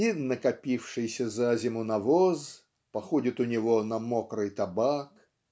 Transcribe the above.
и "накопившийся за зиму навоз" походит у него на "мокрый табак".